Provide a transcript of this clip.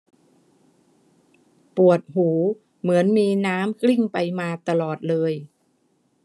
ปวดหูเหมือนมีน้ำกลิ้งไปมาตลอดเลย